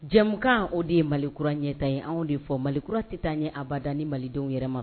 Jɛmukan o de ye Malikura ɲɛ ta ye anw ye o de fɔ Malikura tɛ taa ɲɛ abada ni malidenw yɛrɛ ma